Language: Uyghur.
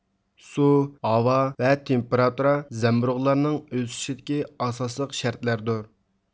سۇ ھاۋا ۋە تېمپېراتۇرا زەمبۇرۇغلارنىڭ ئۆسۈشىدىكى ئاسالىق شەرتلەردۇر